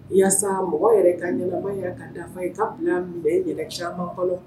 Walasa mɔgɔ yɛrɛ ka yɛlɛma ye ka dafa ye ka tun bɛna minɛn yɛlɛn caman kɔnɔ